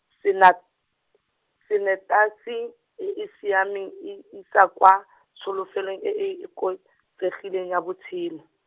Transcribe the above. sena-, sanetasi, e e siameng e isa kwa , tsholofelong e e oketsegileng ya botshelo.